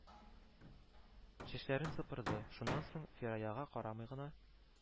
Чәчләрен сыпырды, шуннан соң фираяга карамый гына